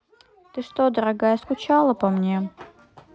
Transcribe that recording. ты что дорогая скучала по мне